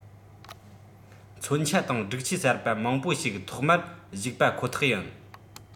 མཚོན ཆ དང སྒྲིག ཆས གསར པ མང པོ ཞིག ཐོག མར ཞུགས པ ཁོ ཐག ཡིན